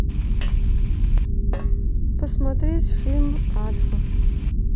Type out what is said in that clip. посмотреть фильм альфа